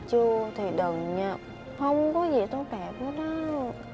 chưa thì đừng nha không có gì tốt đẹp hết á